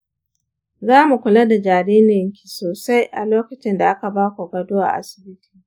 zamu kula da jaririnki sosai a lokacinda aka baku gado a asibiti.